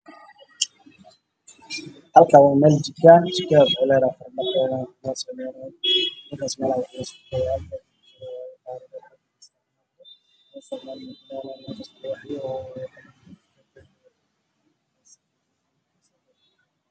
Halkan wuxuu ku talo meel jiko ah oo midabkeedu yahay darbigeeda caddays waxaa dhex taallo armaajo weyn oo gaduudan p